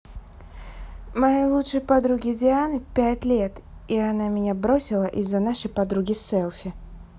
моей лучшей подруги дианы пять лет и она меня бросила из за нашей подруги селфи